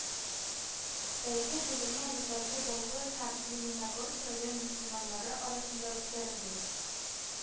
Бәйге Бөгелмә, Ютазы, Баулы һәм Лениногорск район мөселманнары арасында үткәрелде